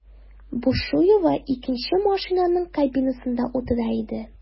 Бушуева икенче машинаның кабинасында утыра иде.